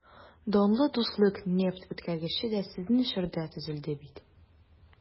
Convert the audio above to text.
Данлы «Дуслык» нефтьүткәргече дә сезнең чорда төзелде бит...